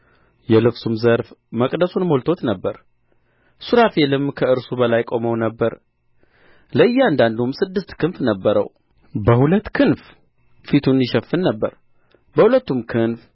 የልብሱም ዘርፍ መቅደሱን ሞልቶት ነበር ሱራፌልም ከእርሱ በላይ ቆመው ነበር ለእያንዳንዱም ስድስት ክንፍ ነበረው በሁለት ክንፍ ፊቱን ይሸፍን ነበር በሁለቱም ክንፍ